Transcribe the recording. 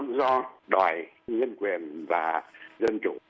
do đòi nhân quyền và dân chủ